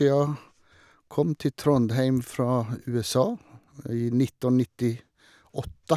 Jeg kom til Trondheim fra USA i nitten nitti åtte.